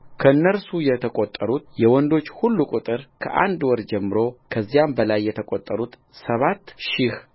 ከእነርሱ የተቈጠሩት የወንዶች ሁሉ ቍጥር ከአንድ ወር ጀምሮ ከዚያም በላይ የተቈጠሩት ሰባት ሺህ